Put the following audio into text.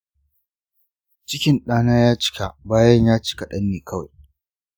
cikin dana yana cika bayan ya ci kaɗan ne kawai.